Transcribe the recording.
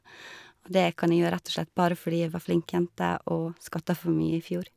Og det kan jeg gjøre rett og slett bare fordi jeg var flink jente og skatta for mye i fjor.